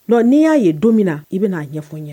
N n'i y'a ye don min na i bɛna n'a ɲɛfɔ n ɲɛ